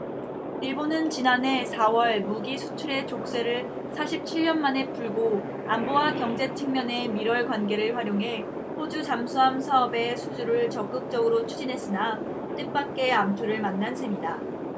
일본은 지난해 사 월 무기 수출의 족쇄를 사십 칠 년 만에 풀고 안보와 경제 측면의 밀월관계를 활용해 호주 잠수함 사업의 수주를 적극적으로 추진했으나 뜻밖의 암초를 만난 셈이다